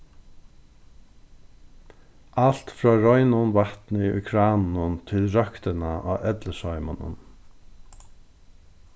alt frá reinum vatni í kranum til røktina á ellisheimunum